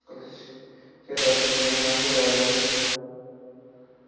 nima qilish kerakligini ham biladi